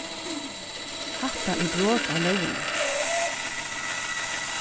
hatta er brot á lógina